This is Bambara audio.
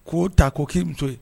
Ko ta ko' muso ye